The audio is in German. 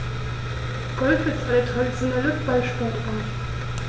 Golf ist eine traditionelle Ballsportart.